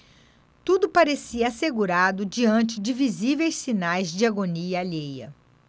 tudo parecia assegurado diante de visíveis sinais de agonia alheia